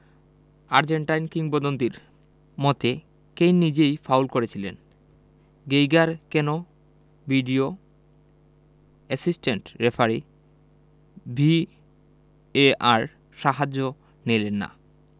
Argentine কিংবদন্তির মতে Kane নিজেই ফাউল করেছিলেন গেইগার কেন ভিডিও অ্যাসিস্ট্যান্ট রেফারি ভিএআর সাহায্য নিলেন না